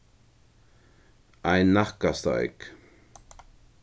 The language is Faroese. ein nakkasteik